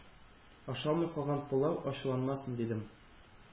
Ашалмый калган пылау ачуланмасын, дидем.